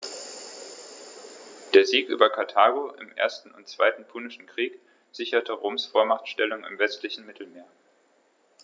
Der Sieg über Karthago im 1. und 2. Punischen Krieg sicherte Roms Vormachtstellung im westlichen Mittelmeer.